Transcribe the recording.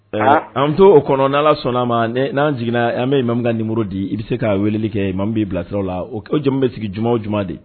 An to o kɔnɔ ala sɔnna a ma n'an seginnana an bɛ min ka nin muru di i bɛ se k'a weele kɛ ma min b'i bilasira la o ko jamu bɛ sigi j jumɛn de